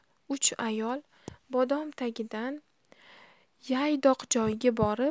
uch ayol bodom tagidan yaydoq joyga borib